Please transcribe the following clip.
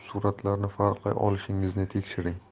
suratlarni farqlay olishingizni tekshiring